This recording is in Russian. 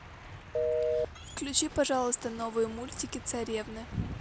включи пожалуйста новые мультики царевны